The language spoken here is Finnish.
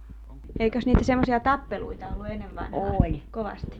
eikös niitä semmoisia tappeluita ollut ennen vanhaan kovasti